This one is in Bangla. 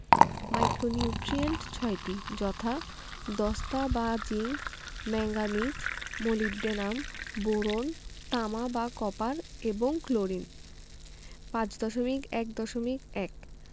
মাইক্রোনিউট্রিয়েন্ট ৬টি যথা দস্তা বা জিংক ম্যাংগানিজ মোলিবডেনাম বোরন তামা বা কপার এবং ক্লোরিন ৫.১.১